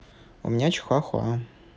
у меня чихуахуа